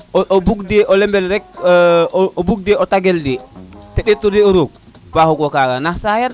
o bug o lemel rek o bug de o tagal de te ɗetiro roog paxu kaga nak saya